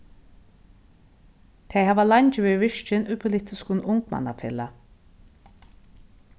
tey hava leingi verið virkin í politiskum ungmannafelag